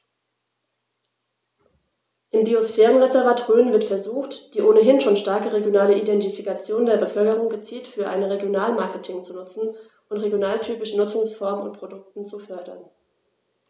Im Biosphärenreservat Rhön wird versucht, die ohnehin schon starke regionale Identifikation der Bevölkerung gezielt für ein Regionalmarketing zu nutzen und regionaltypische Nutzungsformen und Produkte zu fördern.